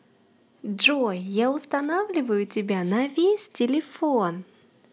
джой я устанавливаю тебя на весь телефон